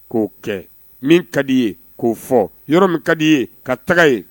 K'o kɛ min ka di i ye k'o fɔ yɔrɔ min ka di i ye ka taga ye